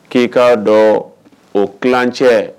K'i k'a dɔn o kalan cɛ